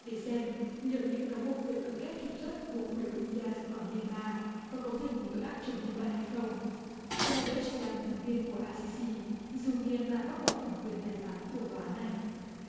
để xem liệu những cáo buộc về cưỡng ép trục xuất buộc người ruynh gia ra khỏi mi an ma cơ cấu thành một tội ác chống nhân loại hay không băng la đét là một thành viên của ai xi xi dù mi an ma bác bỏ thẩm quyền tài phán của tòa án này